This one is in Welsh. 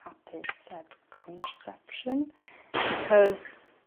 hapus heb contraception because